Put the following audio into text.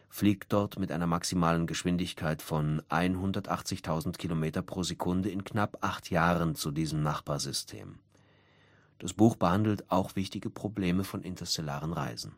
fliegt dort mit einer maximalen Geschwindigkeit von 180.000 km/s in knapp acht Jahren zu diesem Nachbarsystem. Das Buch behandelt auch wichtige Probleme von interstellaren Reisen